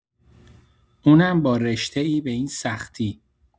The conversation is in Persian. اونم با رشته‌ای به این سختی